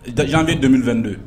Jan bɛ don2 don ye